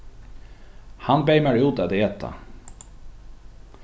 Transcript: hann beyð mær út at eta